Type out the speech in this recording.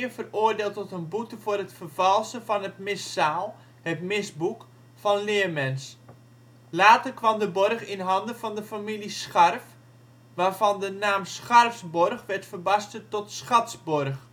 veroordeeld tot een boete voor het vervalsen van het missaal (misboek) van Leermens. Later kwam de borg in handen van de familie Scharf, waarvan de naam ' Scharfsborg ' werd verbasterd tot ' Schatsborg